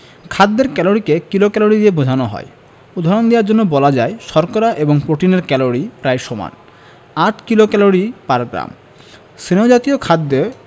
খাদ্যের ক্যালরিকে কিলোক্যালরি দিয়ে বোঝানো হয় উদাহরণ দেয়ার জন্যে বলা যায় শর্করা এবং প্রোটিনের ক্যালরি প্রায় সমান ৮ কিলোক্যালরি পার গ্রাম স্নেহ জাতীয় খাদ্যে